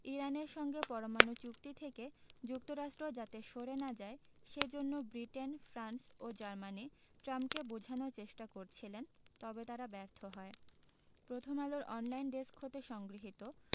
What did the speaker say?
ইরানের সঙ্গে পরমাণু চুক্তি থেকে যুক্তরাষ্ট্র যাতে সরে না যায় সে জন্য ব্রিটেন ফ্রান্স ও জার্মানি ট্রাম্পকে বোঝানোর চেষ্টা করছিলেন তবে তারা ব্যর্থ হয় প্রথমআলোর অনলাইন ডেস্ক হতে সংগৃহীত